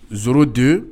02